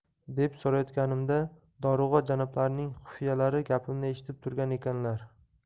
deb so'rayotganimda dorug'a janoblarining xufiyalari gapimni eshitib turgan ekanlar